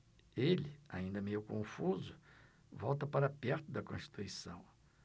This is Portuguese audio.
ele ainda meio confuso volta para perto de constituição